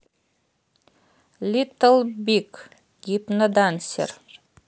литл биг гипнодансер